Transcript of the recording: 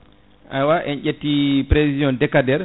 ewa en ƴetti prévision décadaire